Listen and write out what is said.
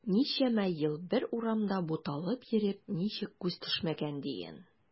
Ничәмә ел бер урамда буталып йөреп ничек күз төшмәгән диген.